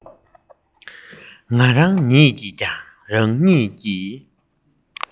ང རང ཉིད ཀྱིས ཀྱང རང ཉིད ཀྱི